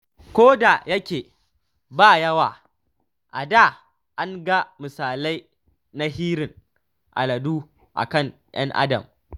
Ko da yake ba yawa, a da an ga misalai na harin aladu a kan ‘yan Adam.